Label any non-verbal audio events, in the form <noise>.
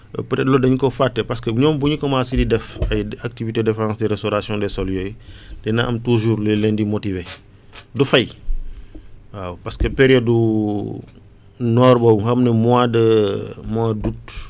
peut être loolu dañ koo fàtte parce que ñoom bu ñu commencé di def <noise> ay activités défense restauration des sols yooyu <breath> dina am toujours lu leen di motiver <noise> du fay waaw parce que période <hesitation> noor boobu nga xam ne mois de <hesitation> mois d' août